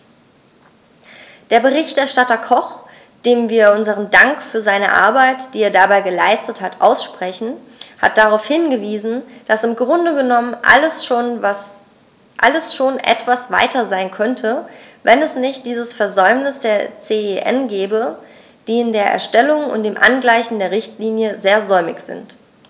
Der Berichterstatter Koch, dem wir unseren Dank für seine Arbeit, die er dabei geleistet hat, aussprechen, hat darauf hingewiesen, dass im Grunde genommen alles schon etwas weiter sein könnte, wenn es nicht dieses Versäumnis der CEN gäbe, die in der Erstellung und dem Angleichen der Richtlinie sehr säumig sind.